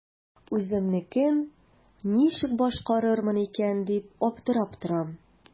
Үземнекен ничек башкарырмын икән дип аптырап торам.